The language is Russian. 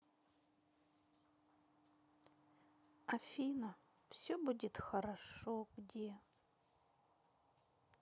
афина все будет хорошо где